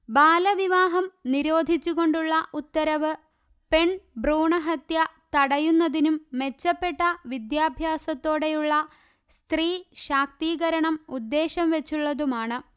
ബാലവിവാഹം നിരോധിച്ചു കൊണ്ടുള്ള ഉത്തരവ് പെൺ ഭ്രൂണഹത്യ തടയുന്നതിനും മെച്ചപ്പെട്ട വിദ്യാഭ്യാസത്തോടെയുള്ള സ്ത്രീ ശാക്തീകരണം ഉദ്ദേശം വച്ചുള്ളതുമാണ്